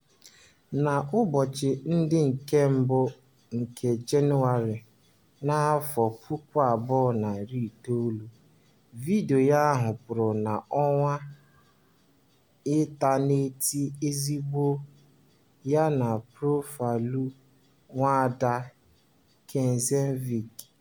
N'ụbọchị ndị nke mbụ nke Jenụwarị 2019, vidiyo ahụ pụrụ n'ọwa ịntaneetị ozugbo yana profaịlụ Nwaada Knežević.